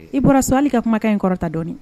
I bɔra soli ka kumakan in kɔrɔ ta dɔɔnin